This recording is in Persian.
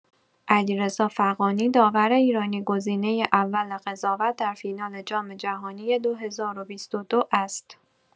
علیرضا فغانی، داور ایرانی، گزینه اول قضاوت در فینال جام‌جهانی ۲۰۲۲ است.